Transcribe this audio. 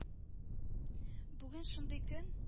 Бүген шундый көн